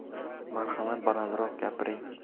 marhamat balandroq gapiring